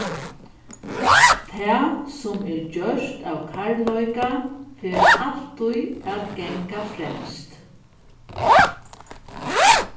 tað sum er gjørt av kærleika fer altíð at ganga fremst